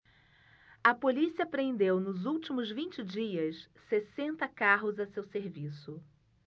a polícia apreendeu nos últimos vinte dias sessenta carros a seu serviço